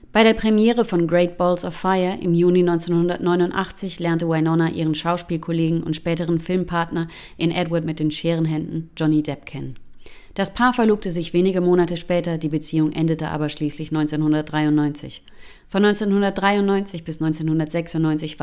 Bei der Premiere von Great Balls of Fire im Juni 1989 lernte Winona Ryder ihren Schauspielkollegen und späteren Filmpartner in Edward mit den Scherenhänden Johnny Depp kennen. Das Paar verlobte sich wenige Monate später; die Beziehung endete aber schließlich 1993. Von 1993 bis 1996